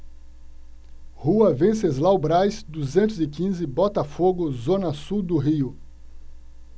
rua venceslau braz duzentos e quinze botafogo zona sul do rio